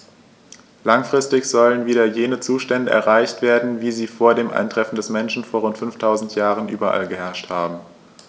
Langfristig sollen wieder jene Zustände erreicht werden, wie sie vor dem Eintreffen des Menschen vor rund 5000 Jahren überall geherrscht haben.